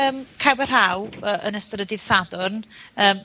yym caib a rhaw, yy, yn ystod y dydd Sadwrn, anadlu, yym...